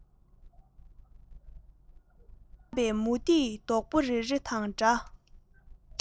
བཀྲམ པའི མུ ཏིག རྡོག པོ རེ རེ དང འདྲ